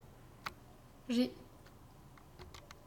རེད